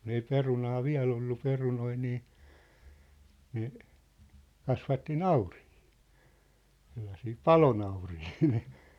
kun ei perunaa vielä ollut perunoita niin ne kasvatti nauriita sellaisia palonauriita